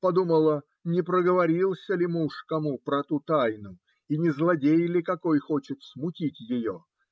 Подумала, не проговорился ли муж кому про ту тайну и не злодей ли какой хочет смутить ее.